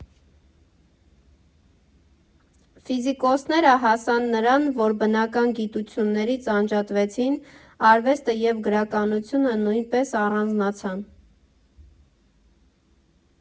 Ֆիզիկոսները հասան նրան, որ բնական գիտություններից անջատվեցին, արվեստը և գրականությունը նույնպես առանձնացան։